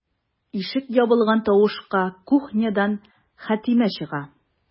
Ишек ябылган тавышка кухнядан Хәтимә чыга.